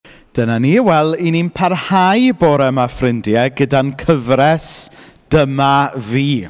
Dyna ni. Wel, 'y ni'n parhau bore 'ma ffrindiau, gyda'n cyfres Dyma Fi.